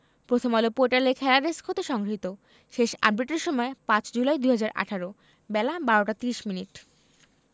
প্রথমআলো পোর্টালের খেলা ডেস্ক হতে সংগৃহীত শেষ আপডেটের সময় ৫ জুলাই ২০১৮ বেলা ১২টা ৩০মিনিট